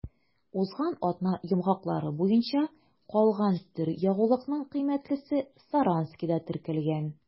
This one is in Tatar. Узган атна йомгаклары буенча калган төр ягулыкның кыйммәтлесе Саранскида теркәлгән.